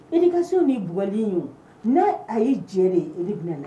I nikaso bɛ bɔlen n' a ye jɛ de i bɛna